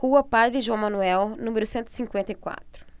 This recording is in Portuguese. rua padre joão manuel número cento e cinquenta e quatro